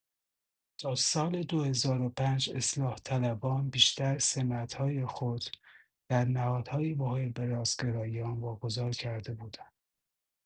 تا سال ۲۰۰۵ اصلاح‌طلبان بیشتر سمت‌های خود در نهادهای مهم به راستگرایان واگذار کرده بودند.